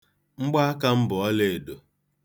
Mgbaaka m bụ ọleedo.